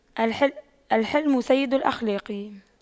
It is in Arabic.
الحِلْمُ سيد الأخلاق